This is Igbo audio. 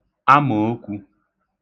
amòokwū